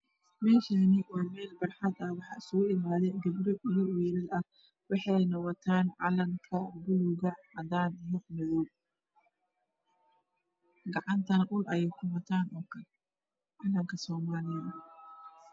Me Shani wa meel bar xad ah waxa is kugu imaday gabdho iya wiilal ah waxeyna waxeyna watan Calan ka buluga cadan iya madow gacantana ul ayey kuwatan Calan ka soomaliya